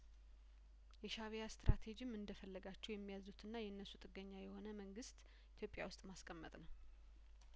የሻእቢያ ስትራቴጂም እንደፈለጋቸው የሚያዙትና የነሱ ጥገኛ የሆነ መንግስት ኢትዮጵያ ውስጥ ማስቀመጥ ነው